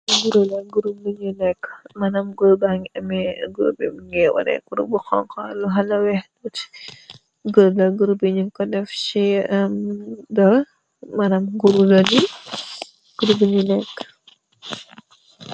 Li guru la, nyu gi deff guru nyi si peenye, guru nyi amna nyu xonxo ak yu xala weex.